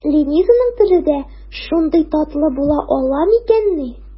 Ленизаның теле дә шундый татлы була ала микәнни?